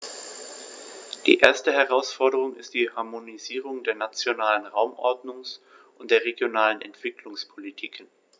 Die erste Herausforderung ist die Harmonisierung der nationalen Raumordnungs- und der regionalen Entwicklungspolitiken.